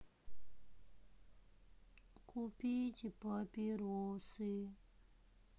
купите папиросы